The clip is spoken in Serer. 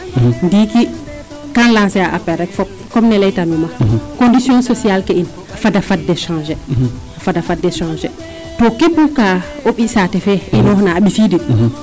ndiiki kam lancer appel rek fop comme ne leyta nuuma condition sociale ke in fada dafa changer fada fade changer to keep kaa o ɓiy saate fee inoox na a mbisiidin